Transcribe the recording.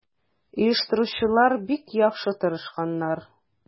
Оештыручылар бик яхшы тырышканнар.